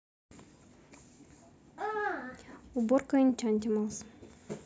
уборка энчантималс